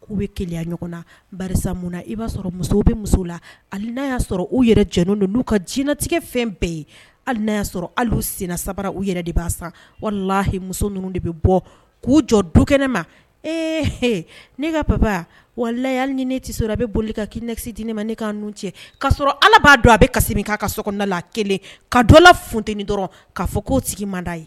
K'u bɛ ke ɲɔgɔn na munna i b'a sɔrɔ musow bɛ muso la hali n'a y yaa sɔrɔ u yɛrɛ jɛnɛ don ka jinɛtigɛ fɛn bɛɛ ye hali n'a y'a sɔrɔ hali sen sabara u yɛrɛ de' san wala lahi muso ninnu de bɛ bɔ k'u jɔ du kɛnɛ ma ee ne ka baba wa laya ni ne tɛ se a bɛ boli ka'i nɛgɛsi di ne ma ne ka cɛ'a sɔrɔ ala b'a dɔn a bɛ kasi min' ka soda la kelen ka dɔ la funteni dɔrɔn k'a fɔ' tigi manda ye